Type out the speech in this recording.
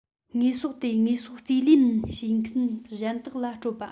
དངོས ཟོག དེ དངོས ཟོག རྩིས ལེན བྱེད མཁན གཞན དག ལ སྤྲོད པ